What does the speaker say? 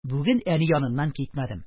Бүген әни яныннан китмәдем.